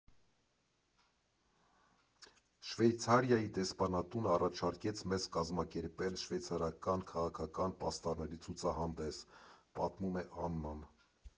Շվեյցարիայի դեսպանատունը առաջարկեց մեզ կազմակերպել շվեյցարական քաղաքական պաստառների ցուցահանդես, ֊ պատմում է Աննան։